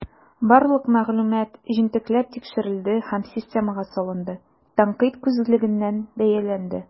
Барлык мәгълүмат җентекләп тикшерелде һәм системага салынды, тәнкыйть күзлегеннән бәяләнде.